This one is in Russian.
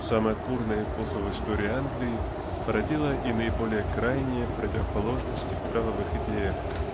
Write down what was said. Самая бурная эпоха в истории Англии породил и наиболее крайние противоположности в правовых идеях.